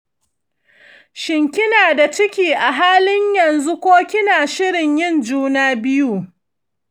shin kina da ciki a halin yanzu ko kina shirin yin juna biyu?